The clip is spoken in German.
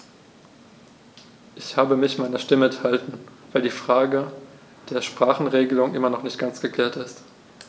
Ich habe mich meiner Stimme enthalten, weil die Frage der Sprachenregelung immer noch nicht ganz geklärt ist.